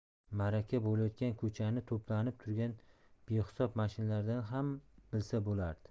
ma'raka bo'layotgan ko'chani to'planib turgan behisob mashinalardan ham bilsa bo'lardi